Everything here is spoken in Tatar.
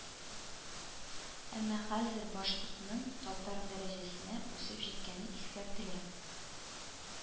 Әмма хәзер башкортның татар дәрәҗәсенә үсеп җиткәне искәртелә